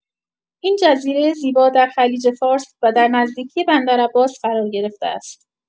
این جزیره زیبا در خلیج‌فارس و در نزدیکی بندرعباس قرار گرفته است.